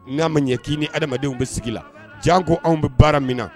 N'a ma ɲɛ k'i ni adamadamadenw bɛ sigi la jan ko anw bɛ baara min na